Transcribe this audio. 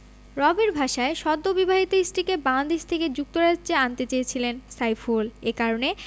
রবের ভাষায় সদ্যবিবাহিত স্ত্রীকে বাংলাদেশ থেকে যুক্তরাজ্যে আনতে চেয়েছিলেন সাইফুল এ কারণে